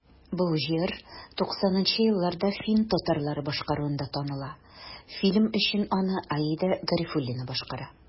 Бу җыр 90 нчы елларда фин татарлары башкаруында таныла, фильм өчен аны Аида Гарифуллина башкара.